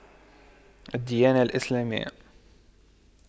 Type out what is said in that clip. الديانة الإسلامية